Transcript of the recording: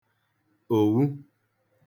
òwu